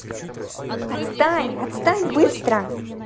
отстань отстань быстро